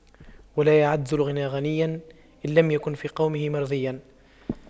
ولا يعد ذو الغنى غنيا إن لم يكن في قومه مرضيا